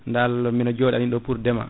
ndal biɗa joɗani ɗo pour deemal